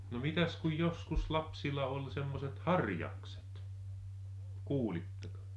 no mitäs kun joskus lapsilla oli semmoiset harjakset kuulitteko